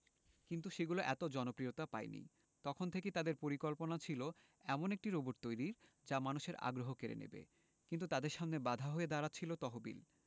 কিন্তু সেগুলো এত জনপ্রিয়তা পায়নি তখন থেকেই তাদের পরিকল্পনা ছিল এমন একটি রোবট তৈরির যা মানুষের আগ্রহ কেড়ে নেবে কিন্তু তাদের সামনে বাধা হয়ে দাঁড়ায় তহবিল